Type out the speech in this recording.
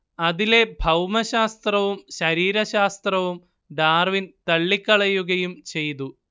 അതിലെ ഭൗമശാസ്ത്രവും ശരീരശാസ്ത്രവും ഡാർവിൻ തള്ളിക്കളയുകയും ചെയ്തു